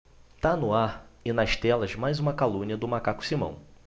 tá no ar e nas telas mais uma calúnia do macaco simão